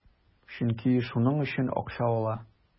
Чөнки шуның өчен акча ала.